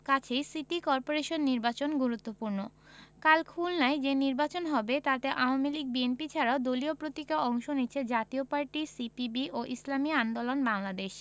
কাছেই city corporation নির্বাচন গুরুত্বপূর্ণ কাল খুলনায় যে নির্বাচন হবে তাতে আওয়ামী লীগ বিএনপি ছাড়াও দলীয় প্রতীকে অংশ নিচ্ছে জাতীয় পার্টি সিপিবি ও ইসলামী আন্দোলন বাংলাদেশ